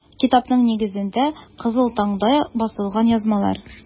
Китапның нигезендә - “Кызыл таң”да басылган язмалар.